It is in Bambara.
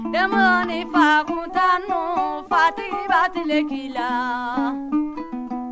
denmusonin fakunntannu fatigi b'a tile k'i la